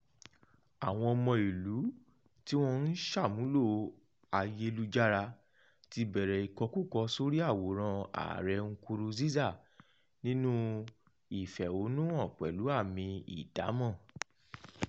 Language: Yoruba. Àwọn ọmọ ìlú tí wọ́n ń ṣàmúlò ayélujára ti bẹ̀rẹ̀ ìkọkúkọ sórí àwòrán ààrẹ Nkurunziza nínú ìfẹ̀hónúhàn pẹ̀lú àmì ìdámọ̀